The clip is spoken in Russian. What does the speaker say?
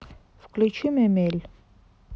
включи мемель